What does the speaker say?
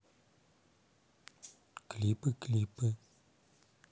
клипы клипы